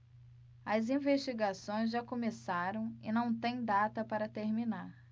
as investigações já começaram e não têm data para terminar